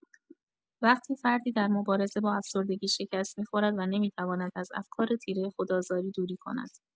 وقتی فردی در مبارزه با افسردگی شکست می‌خورد و نمی‌تواند از افکار تیره خودآزاری دوری کند.